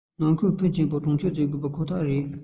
ནུས ཁུངས ཕོན ཆེན པོ གྲོན ཆུང བྱེད ཐུབ ཁོ ཐག རེད